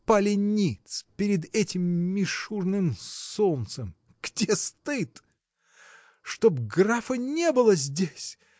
пали ниц перед этим мишурным солнцем где стыд!!! Чтоб графа не было здесь!